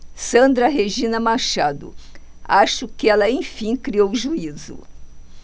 sandra regina machado acho que ela enfim criou juízo